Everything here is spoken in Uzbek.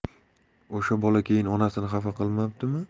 o'sha bola keyin onasini xafa qilmabdimi